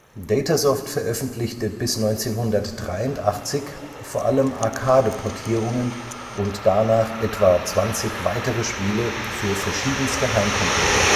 Datasoft veröffentlichte bis 1983 vor allem Arcade-Portierungen und danach etwa 20 weitere Spiele für verschiedenste Heimcomputer